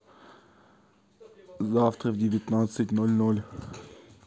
завтра в девятнадцать ноль ноль